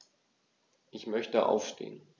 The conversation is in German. Ich möchte aufstehen.